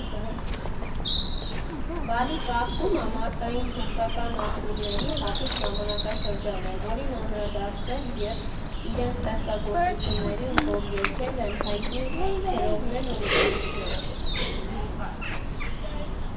Բալի ծաղկումը մարդկային հուզական ապրումների հատուկ ժամանակաշրջան է, որին անդրադարձել և իրենց ստեղծագործություններում գովերգել են հայտնի գրողներն ու նկարիչները։